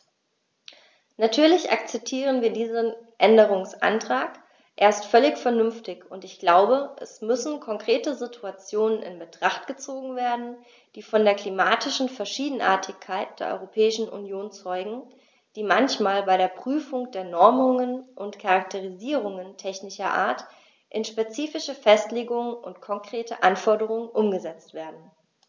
Natürlich akzeptieren wir diesen Änderungsantrag, er ist völlig vernünftig, und ich glaube, es müssen konkrete Situationen in Betracht gezogen werden, die von der klimatischen Verschiedenartigkeit der Europäischen Union zeugen, die manchmal bei der Prüfung der Normungen und Charakterisierungen technischer Art in spezifische Festlegungen und konkrete Anforderungen umgesetzt werden.